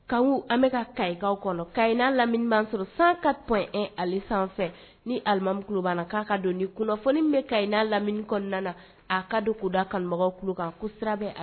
Kanku an kakaw ka lamini sɔrɔ san ka to ali sanfɛ nilimamiba k'a ka don ni kunnafoni bɛ kayina lamini kɔnɔna na a ka don k' da kanubagawkan ko sira